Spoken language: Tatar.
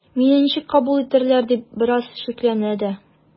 “мине ничек кабул итәрләр” дип бераз шикләнә дә.